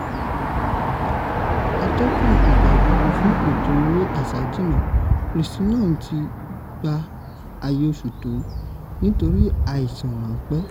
Atọ́kùn ìgbàgbogbo fún ètò eré-asájìnnà, Kirsty Young, tí gba ààyè oṣù tó ps nítórí àìsàn ráńpẹ́.